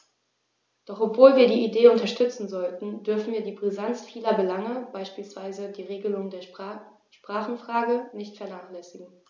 Doch obwohl wir die Idee unterstützen sollten, dürfen wir die Brisanz vieler Belange, beispielsweise die Regelung der Sprachenfrage, nicht vernachlässigen.